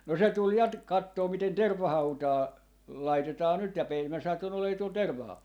no se tuli ja - katsomaan miten tervahautaa laitetaan nyt ja - minä satuin olemaan tuolla tervahaudalla